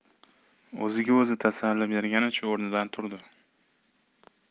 o'ziga o'zi tasalli berganicha o'rnidan turdi